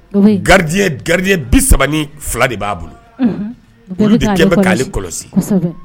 Garidijɛ garidijɛ bi sabali fila de b'a bolo k'ale kɔlɔsi